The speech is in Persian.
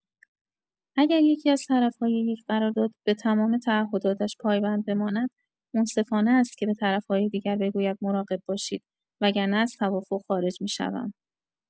اگر یکی‌از طرف‌های یک قرارداد به تمام تعهداتش پایبند بماند، منصفانه است که به طرف‌های دیگر بگوید مراقب باشید، وگرنه از توافق خارج می‌شوم.